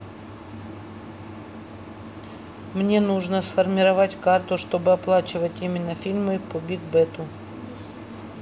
мне нужно сформировать карту чтобы оплачивать именно фильмы по бигбэту